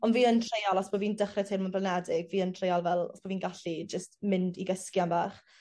On' fi yn treial os bo' fi'n dechre teimlo'n flinedig fi yn treial fel os bo' fi'n gallu jyst mynd i gysgu am fach.